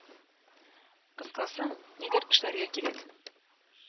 Кыскасы, нидер эшләргә кирәк.